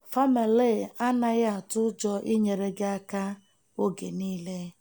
Famalay anaghị atụ ụjọ inyere gị aka oge niile….